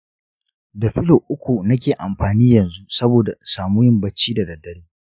da pillow uku nake amfani yanzu saboda in samu yin bacci da daddare.